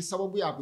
Ni sababu y' a